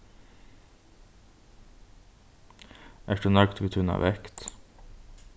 ert tú nøgd við tína vekt